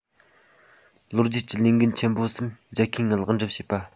ལོ རྒྱུས ཀྱི ལས འགན ཆེན པོ གསུམ རྒྱལ ཁའི ངང ལེགས འགྲུབ བྱེད པ